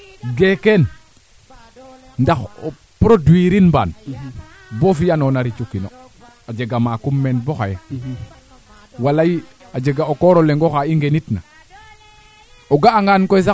so xa axa xe aussi leyoona a jega teen solo ndax i mbakana nga no fasaaɓ a jega o axo le ando na teene a fela xam lool Djiby yaam xa pasaaɓa xe kaa magin